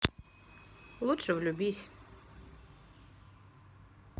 лучше влюбись